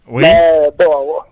Oui